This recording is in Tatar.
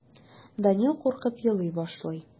Данил куркып елый башлый.